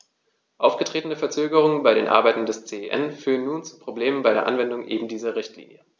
Aufgetretene Verzögerungen bei den Arbeiten des CEN führen nun zu Problemen bei der Anwendung eben dieser Richtlinie.